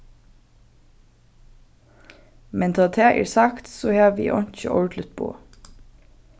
men tá tað er sagt so havi eg einki ordiligt boð